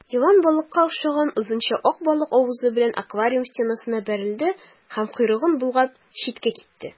Елан балыкка охшаган озынча ак балык авызы белән аквариум стенасына бәрелде һәм, койрыгын болгап, читкә китте.